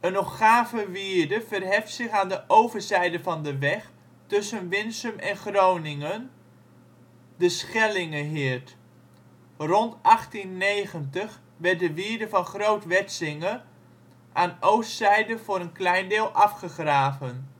nog gave wierde verheft zich aan de overzijde van de weg tussen Winsum en Groningen; de Schellingheheert. Rond 1890 werd de wierde van Groot Wetsinge aan oostzijde voor een klein deel afgegraven